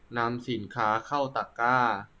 นำสินค้าเข้าตะกร้า